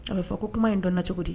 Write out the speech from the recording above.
A b bɛ fɔ ko kuma in dɔn na cogo di